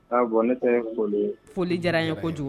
A bɔn ne tɛ foli foli diyara n ye kojugu